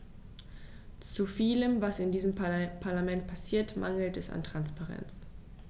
Zu vielem, was in diesem Parlament passiert, mangelt es an Transparenz.